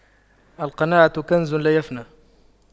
القناعة كنز لا يفنى